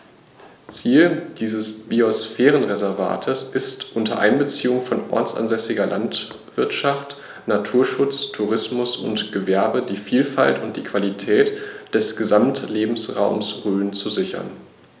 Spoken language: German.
Ziel dieses Biosphärenreservates ist, unter Einbeziehung von ortsansässiger Landwirtschaft, Naturschutz, Tourismus und Gewerbe die Vielfalt und die Qualität des Gesamtlebensraumes Rhön zu sichern.